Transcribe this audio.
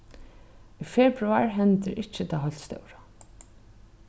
í februar hendir ikki tað heilt stóra